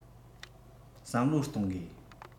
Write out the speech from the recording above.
བསམ བློ གཏོང དགོས